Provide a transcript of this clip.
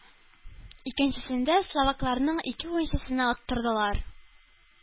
Икенчесендә словакларның ике уенчысына оттырдылар.